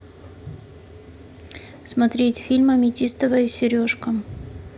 смотреть фильм аметистовая сережка